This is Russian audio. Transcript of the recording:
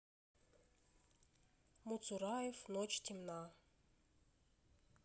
муцураев ночь темна